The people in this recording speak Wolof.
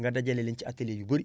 nga dajale leen ci atelier yu bëri